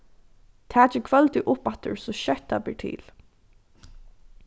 takið kvøldið upp aftur so skjótt tað ber til